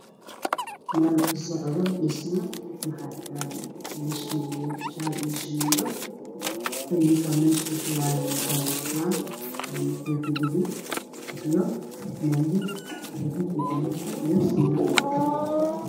Guri ku socdo dhismo miisha waxaa yaalo jeey iyo shamiito